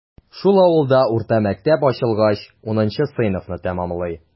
Шул авылда урта мәктәп ачылгач, унынчы сыйныфны тәмамлый.